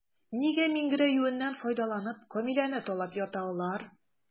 Нигә миңгерәюеннән файдаланып, Камиләне талап ята алар?